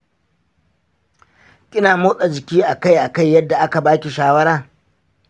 kina motsa jiki akai akai yadda aka baki shawara?